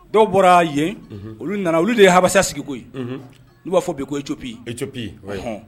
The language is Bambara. Dɔw bɔra yen olu nana olu de ye hamisa sigiko n' b'a fɔ yen ko epi ipi hɔn